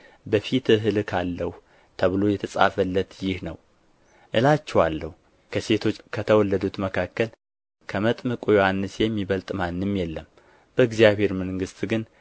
በፊትህ የሚጠርግ መልክተኛዬን በፊትህ እልካለሁ ተብሎ የተጻፈለት ይህ ነው እላችኋለሁ ከሴቶች ከተወለዱት መካከል ከመጥምቁ ዮሐንስ የሚበልጥ ማንም የለም በእግዚአብሔር መንግሥት ግን